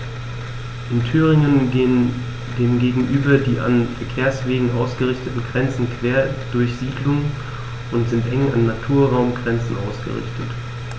In Thüringen gehen dem gegenüber die an Verkehrswegen ausgerichteten Grenzen quer durch Siedlungen und sind eng an Naturraumgrenzen ausgerichtet.